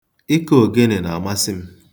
Ịkụ ogene na-amasị m.